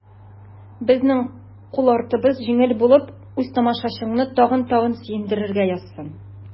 Безнең кул артыбыз җиңел булып, үз тамашачыңны тагын-тагын сөендерергә язсын.